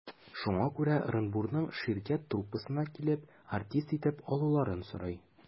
Шуңа күрә Ырынбурның «Ширкәт» труппасына килеп, артист итеп алуларын сорый.